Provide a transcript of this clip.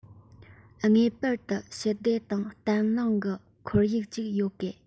ངེས པར དུ ཞི བདེ དང བརྟན ལྷིང གི ཁོར ཡུག ཅིག ཡོད དགོས